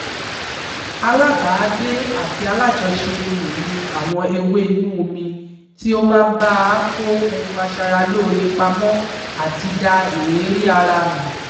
Alábàágbé àti alájọṣe iyùn ni àwọn ewé inú omi tí ó máa ń bá a kó ohun aṣaralóore pamọ́ àti da èérí ara nù.